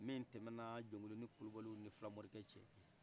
min tɛmɛna jɔnkolonin kulibaliw ni fulamorikɛ cɛ